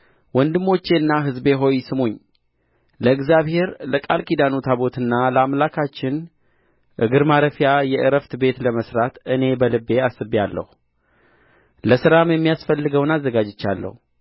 ወንድሞቼና ሕዝቤ ሆይ ስሙኝ ለእግዚአብሔር ለቃል ኪዳኑ ታቦትና ለአምላካችን እግር ማረፊያ የዕረፍት ቤት ለመሥራት እኔ በልቤ አስቤአለሁ ለሥራም የሚያስፈልገውን አዘጋጅቻለሁ